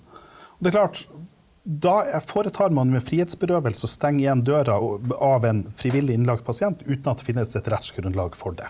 det er klart da foretar man med frihetsberøvelse og stenger igjen døra og av en frivillig innlagt pasient uten at det finnes et rettsgrunnlag for det.